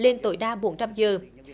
lên tối đa bốn trăm giờ